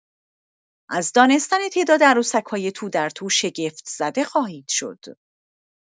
از دانستن تعداد عروسک‌های تودرتو شگفت‌زده خواهید شد.